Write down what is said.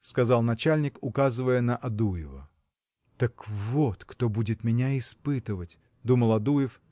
– сказал начальник, указывая на Адуева. Так вот кто будет меня испытывать! – думал Адуев